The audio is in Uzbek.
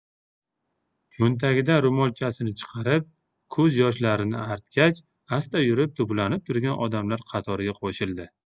cho'ntagidan ro'molchasini chiqarib ko'z yoshlarini artgach asta yurib to'planib turgan odamlar qatoriga qo'shildi